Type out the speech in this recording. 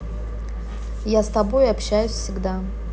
я с тобой общаюсь всегда